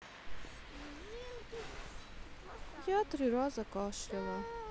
я три раза кашляла